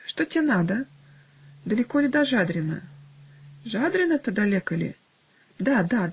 "Что те надо?" -- "Далеко ли Жадрино?" -- "Жадрино-то далеко ли?" -- "Да, да!